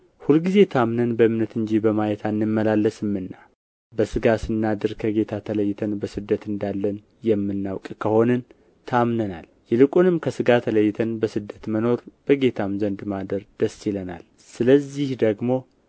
ሁልጊዜ ታምነን በእምነት እንጂ በማየት አንመላለስምና በሥጋ ስናድር ከጌታ ተለይተን በስደት እንዳለን የምናውቅ ከሆንን ታምነናል ይልቁንም ከሥጋ ተለይተን በስደት መኖር በጌታም ዘንድ ማደር ደስ ይለናል ስለዚህ ደግሞ